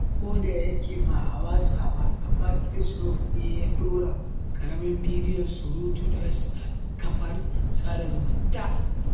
Kodayake ba a watsa ba, amma Chris Rock ne ya ɗora ƙaramin bidiyon surutun na West a kafar sada zumunta.